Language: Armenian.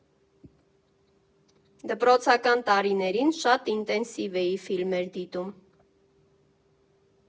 Դպրոցական տարիներին շատ ինտենսիվ էի ֆիլմեր դիտում։